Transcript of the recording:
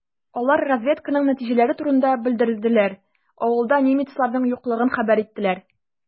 Алар разведканың нәтиҗәләре турында белдерделәр, авылда немецларның юклыгын хәбәр иттеләр.